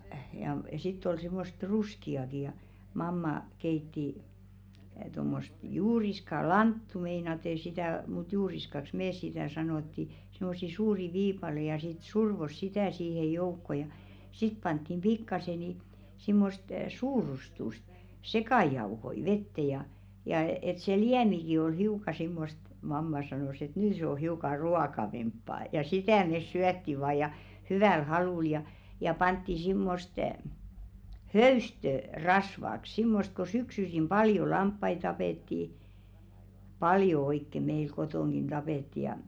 ja sitten oli semmoista ruskeaakin ja mamma keitti tuommoista juuriskaa lanttua meinaten sitä mutta juuriskaksi me sitä sanottiin semmoisia suuria viipaleita ja sitten survoi sitä siihen joukkoon ja sitten pantiin pikkaisen niin semmoista suurustusta sekajauhoja veteen ja ja että se liemikin oli hiukan semmoista mamma sanoi että nyt se on hiukan ruokavampaa ja sitä me syötiin vain ja hyvällä halulla ja ja pantiin semmoista höystöä rasvaksi semmoista kun syksyisin paljon lampaita tapettiin paljon oikein meillä kotonakin tapettiin ja